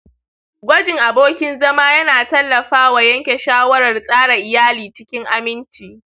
gwajin abokin zama yana tallafawa yanke shawarar tsara iyali cikin aminci.